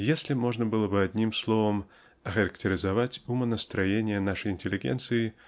Если можно было бы одним словом охарактеризовать умонастроение нашей интеллигенции